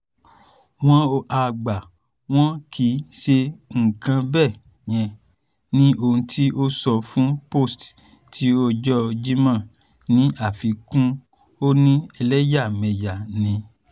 ”Wọ́n á gbà. Wọn kì í ṣe nǹkan bẹ́ẹ̀ yẹn,” ni ohun tí ó sọ fún Post ti ọjọ́ Jímọ̀. Ní àfikún, “Ó ní ẹlẹ́yàmẹyà ni.”